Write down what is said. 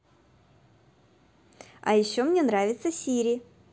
а еще мне нравится сири